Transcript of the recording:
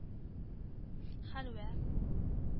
Хәлвә